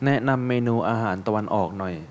แนะนำเมนูอาหารตะวันออกหน่อย